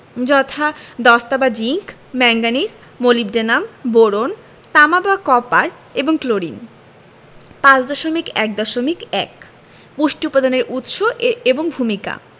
যথা দস্তা বা জিংক ম্যাংগানিজ মোলিবডেনাম বোরন তামা বা কপার এবং ক্লোরিন 5.1.1 পুষ্টি উপাদানের উৎস এ এবং ভূমিকা